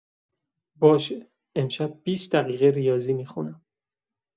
باشه، امشب بیست دقیقه ریاضی می‌خونم.